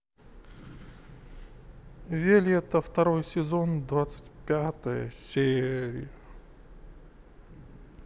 виолетта второй сезон двадцать пятая серия